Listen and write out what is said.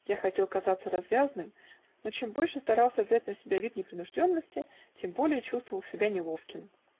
я хотел казаться развязным, но чем больше старался взять на себя вид непринужденности, тем более чувствовал себя неловким.